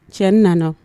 Cɛ nana